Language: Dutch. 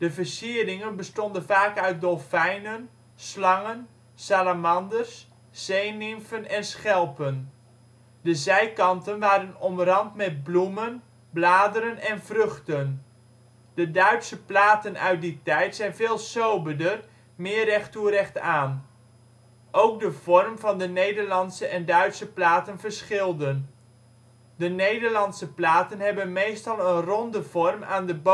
versieringen bestonden vaak uit dolfijnen, slangen, salamanders, zeenimfen en schelpen. De zijkanten waren omrand met bloemen, bladeren en vruchten. De Duitse platen uit die tijd zijn veel soberder, meer recht-toe-recht-aan. Ook de vorm van de Nederlandse en Duitse platen verschilden, de Nederlandse platen hebben meestal een ronde vorm aan de bovenkant